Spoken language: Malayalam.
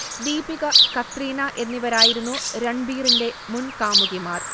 ദീപിക, കത്രീന എന്നിവരായിരുന്നു രൺബീറിന്റെ മുൻ കാമുകിമാർ